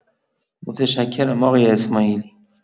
متشکرم آقای اسماعیلی!